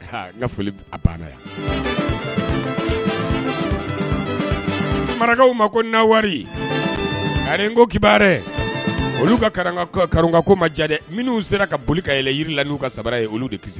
N yan marakaw ma ko na ani ko kibarɛ olu ka kako maja dɛ minnu sera ka boli kaɛlɛn jiri la u ka sabali ye olu de kisi